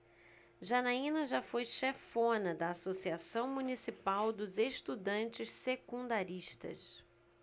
janaina foi chefona da ames associação municipal dos estudantes secundaristas